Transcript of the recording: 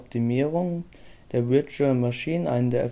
Optimierungen der Virtual Machine eine der effizientesten